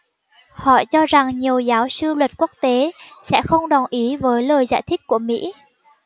họ cho rằng nhiều giáo sư luật quốc tế sẽ không đồng ý với lời giải thích của mỹ